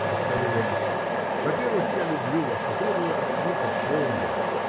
— повторил он, — во-первых, я люблю вас и требую ответа полного.